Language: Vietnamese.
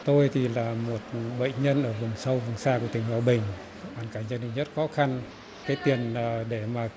tôi thì là một bệnh nhân ở vùng sâu vùng xa của tỉnh hòa bình hoàn cảnh gia đình rất khó khăn hết tiền để mà